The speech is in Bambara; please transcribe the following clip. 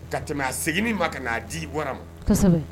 Ka tɛmɛ a segin min ma ka'a di bɔra ma